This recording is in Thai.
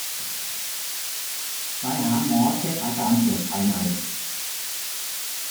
ไปหาหมอเช็คอาการปวดภายใน